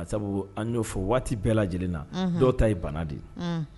Sabu an y'o fɔ waati bɛɛ lajɛlen na. Unhun. Dɔw ta ye bana de ye.